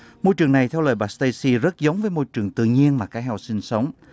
môi trường này theo lời bà sờ tây si rất giống với môi trường tự nhiên mà cá heo sinh sống